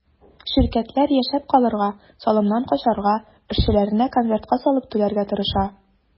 Ширкәтләр яшәп калырга, салымнан качарга, эшчеләренә конвертка салып түләргә тырыша.